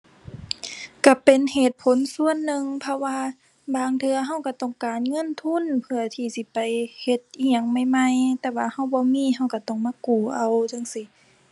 ก็เป็นเหตุผลส่วนหนึ่ง เพราะว่าบางเทื่อก็ก็ต้องการเงินทุน เพื่อที่สิไปเฮ็ดอิหยังใหม่ใหม่ แต่ว่าก็บ่มีก็ก็ต้องมากู้เอาจั่งซี้